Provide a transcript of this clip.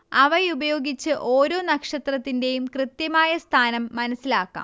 അവയുപയോഗിച്ച് ഒരോ നക്ഷത്രത്തിന്റെയും കൃത്യമായ സ്ഥാനം മനസ്സിലാക്കാം